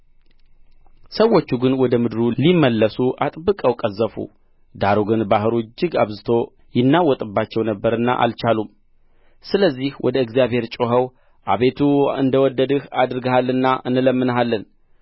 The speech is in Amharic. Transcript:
ሰዎቹ ግን ወደ ምድሩ ሊመለሱ አጥብቀው ቀዘፉ ዳሩ ግን ባሕሩ እጅግ አብዝቶ ይናወጥባቸው ነበርና አልቻሉም ስለዚህ ወደ እግዚአብሔር ጮኸው አቤቱ እንደ ወደድህ አድርገሃልና እንለምንሃለን